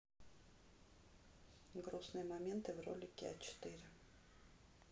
грустный моменты в ролике а четыре